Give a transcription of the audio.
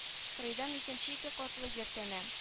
Кырыйдан икенче ике катлы йорт әнә